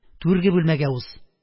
Түрге бүлмәгә уз.